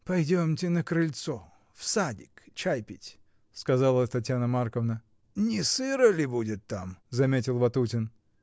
— Пойдемте на крыльцо, в садик, чай пить! — сказала Татьяна Марковна. — Не сыро ли будет там? — заметил Ватутин.